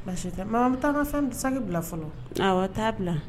An bɛ taa ka fɛnsa bila fɔlɔ t taa bila